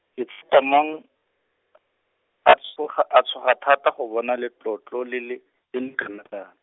Ketshepamang, a tshoga a tshoga thata go bona letlotlo le le, le kanakana.